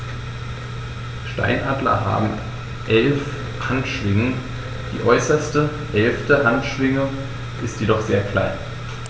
Steinadler haben 11 Handschwingen, die äußerste (11.) Handschwinge ist jedoch sehr klein.